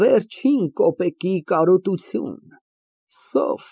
Վերջին կոպեկի կարոտություն, սով։